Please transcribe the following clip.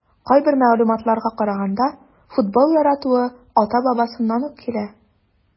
Кайбер мәгълүматларга караганда, футбол яратуы ата-бабасыннан ук килә.